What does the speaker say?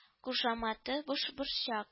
Кушаматы бушборчак